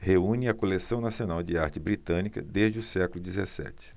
reúne a coleção nacional de arte britânica desde o século dezessete